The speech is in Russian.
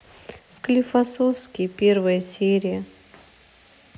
склифосовский первая серия